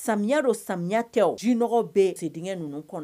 Samiya don samiyɛya tɛ jiɔgɔ bɛ ka denkɛ ninnu kɔnɔ